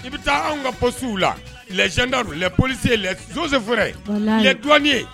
I bɛ taa anw ka poste u la les gendarmes, les policiers, les eaux et forêts, les douaniers, walayi